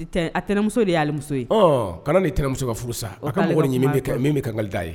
Muso yemuso ye kana ni tmuso ka furu sa ka min bɛ kan d' ye